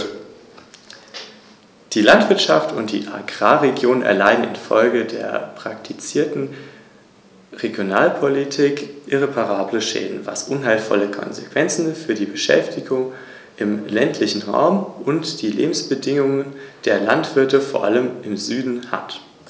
Als Folge daraus findet die Verordnung bei mehreren kleinen Staaten der Europäischen Union keine Anwendung.